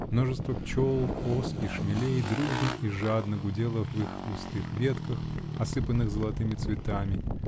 Множество пчел, ос и шмелей дружно и жалко гудело в их густых ветках, осыпанных золотыми цветами